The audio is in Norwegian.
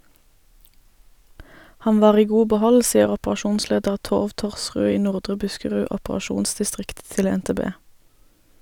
Han var i god behold, sier operasjonsleder Thov Thorsrud i Nordre Buskerud operasjonsdistrikt til NTB.